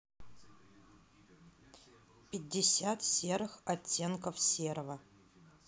пятьдесят серых оттенков серого